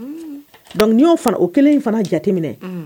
Y'o fana o kelen in fana jateminɛ